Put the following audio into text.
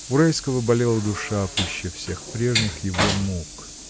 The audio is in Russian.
У Райского болела душа пуще всех прежних его мук.